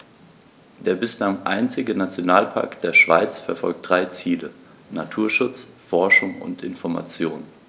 Der bislang einzige Nationalpark der Schweiz verfolgt drei Ziele: Naturschutz, Forschung und Information.